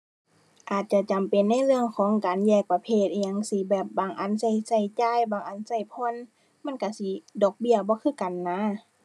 อาจจะจำเป็นในเรื่องของการแยกประเภทอิหยังจั่งซี้ แบบบางอันใช้ใช้จ่าย บางอันใช้ผ่อน มันใช้สิดอกเบี้ยบ่คือกันนะ